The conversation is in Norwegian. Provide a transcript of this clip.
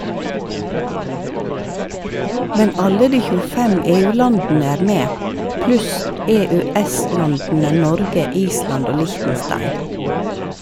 Men alle de 25 EU-landene er med, pluss EØS-landene Norge, Island og Liechtenstein.